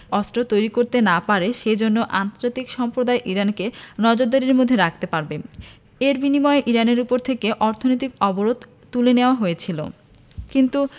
অস্ত্র তৈরি করতে না পারে সে জন্য আন্তর্জাতিক সম্প্রদায় ইরানকে নজরদারির মধ্যে রাখতে পারবে এর বিনিময়ে ইরানের ওপর থেকে অর্থনৈতিক অবরোধ তুলে নেওয়া হয়েছিল